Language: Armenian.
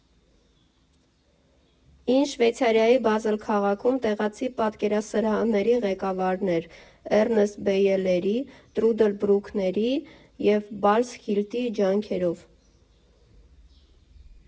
֊ին Շվեյցարիայի Բազել քաղաքում՝ տեղացի պատկերասրահների ղեկավարներ Էռնստ Բեյէլերի, Տրուդլ Բրուքների և Բալզ Հիլտի ջանքերով։